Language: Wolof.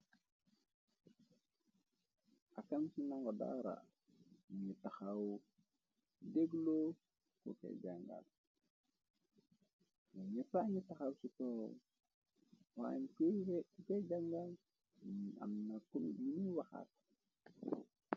Akam ci nanga daara ni taxaw gëglo kukay jangaal lu ne fani taxaw ci toow waayun kukey jangal am na k yuñu waxaak.